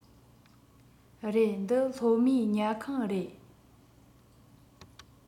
རེད འདི སློབ མའི ཉལ ཁང རེད